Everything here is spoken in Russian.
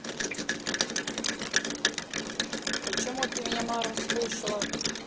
почему ты меня мара слушала